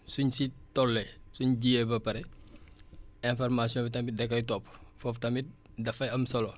suñ si tollee suñ jiyee ba pare information bi tamit da koy topp foofu tamit dafay am solo